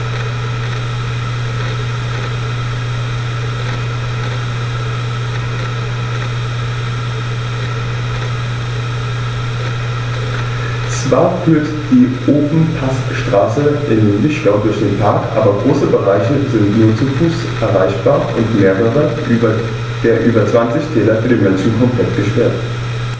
Zwar führt die Ofenpassstraße in den Vinschgau durch den Park, aber große Bereiche sind nur zu Fuß erreichbar und mehrere der über 20 Täler für den Menschen komplett gesperrt.